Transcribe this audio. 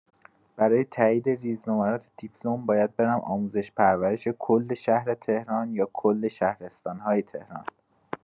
برای تایید ریزنمرات دیپلم، باید برم آموزش پرورش کل شهر تهران یا کل شهرستان‌های تهران؟